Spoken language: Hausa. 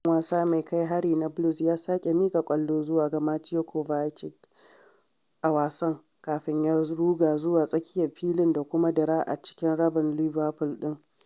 Ɗan wasa mai kai hari na Blues ya sake miƙa ƙwallo zuwa ga Mateo Kovacic a wasan, kafin ya ruga zuwa tsakiyar filin da kuma dira a cikin rabin Liverpool ɗin.